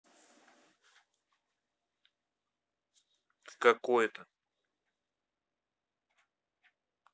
в какой то